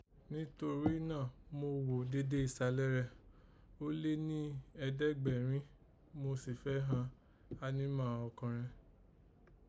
Nítorí náà, mo ghò dede ìsàlẹ̀ rẹ, o lè ni ẹ̀ẹ́dẹ́gbẹ̀rin, mo sì fẹ́ àghan ànímá ọkọ̀nrẹn